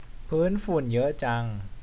พื้นฝุ่นเยอะจัง